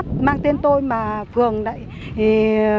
mang tên tôi mà phường lại bây